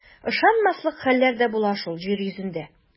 Ышанмаслык хәлләр дә була шул җир йөзендә.